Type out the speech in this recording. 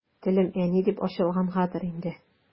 Телем «әни» дип ачылгангадыр инде.